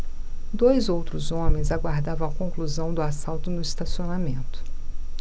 dois outros homens aguardavam a conclusão do assalto no estacionamento